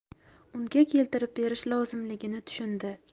unga keltirib berish lozimligini tushundi